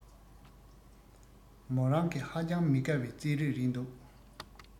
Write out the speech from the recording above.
མོ རང གི ཧ ཅང མི དགའ བའི རྩིས རིགས རེད འདུག